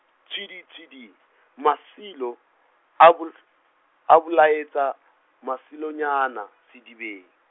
tswidi, tswidi, Masilo a bol-, a bolaetse, Masilonyane, sedibeng.